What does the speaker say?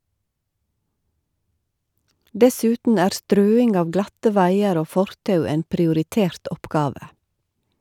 Dessuten er strøing av glatte veier og fortau en prioritert oppgave.